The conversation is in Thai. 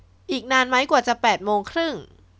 อีกนานไหมกว่าจะแปดโมงครึ่ง